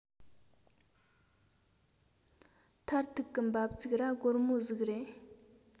མཐར ཐུག གི འབབ ཚིགས ར སྒོར མོ ཟིག རེད